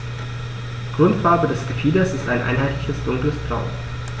Grundfarbe des Gefieders ist ein einheitliches dunkles Braun.